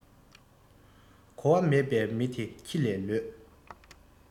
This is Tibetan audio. གོ བ མེད པའི མི དེ ཁྱི ལས ལོད